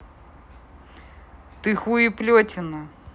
ты хуеплетина